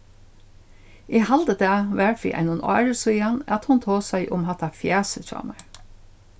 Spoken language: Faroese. eg haldi tað var fyri einum ári síðan at hon tosaði um hatta fjasið hjá mær